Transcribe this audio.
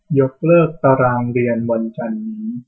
ยกเลิกตารางเรียนวันจันทร์นี้